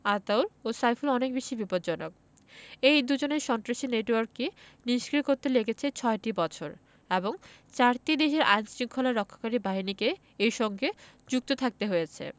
আতাউল ও সাইফুল অনেক বেশি বিপজ্জনক এই দুজনের সন্ত্রাসী নেটওয়ার্ককে নিষ্ক্রিয় করতে লেগেছে ছয়টি বছর এবং চারটি দেশের আইনশৃঙ্খলা রক্ষাকারী বাহিনীকে এর সঙ্গে যুক্ত থাকতে হয়েছে